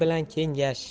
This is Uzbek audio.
el bilan kengash